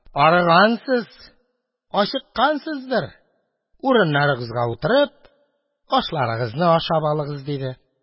Арыгансыз, ачыккансыздыр, урыннарыгызга утырып, ашларыгызны ашап алыгыз, – диде.